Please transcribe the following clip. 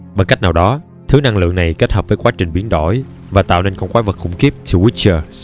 bằng cách nào đó thứ năng lượng này kết hợp với quá trình biến đổi và tạo nên con quái vật khủng khiếp twitchers